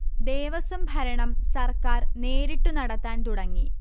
ദേവസ്വം ഭരണം സർക്കാർ നേരിട്ടു നടത്താൻ തുടങ്ങി